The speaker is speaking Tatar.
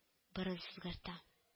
Борын сызгырта